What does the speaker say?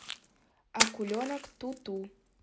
акуленок ту ту